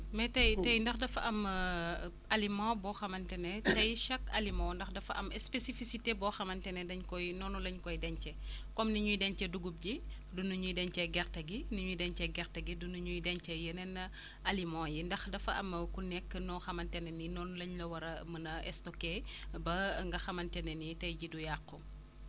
mais tey tey ndax dafa am aliment boo xamante ne tey chaque aliment ndax dafa am spécificité boo xamante ne dañ koy noonu la ñu koy dencee come ni ñuy dencee dugub ji du nu ñuy dencee gerte gi ni ñuy dencee gerte gi du nu ñuy dencee yeneen aliments yi ndax dafa am ku nekk noo xamante ne ni noonu la ñu la war a mën stocké ba nga xamante ne ni tey jii du yàqu